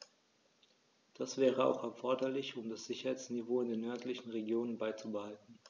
Das wäre auch erforderlich, um das Sicherheitsniveau in den nördlichen Regionen beizubehalten.